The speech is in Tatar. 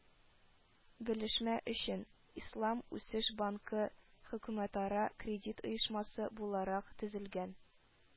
Белешмә өчен: Ислам үсеш банкы хөкүмәтара кредит оешмасы буларак төзелгән